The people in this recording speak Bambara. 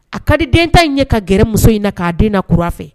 A ka di den ta in ɲɛ ka gɛrɛ muso in na k'a den k kura fɛ